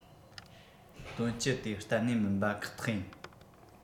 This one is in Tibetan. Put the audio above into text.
དོན སྤྱི དེ གཏན ནས མིན པ ཁག ཐག ཡིན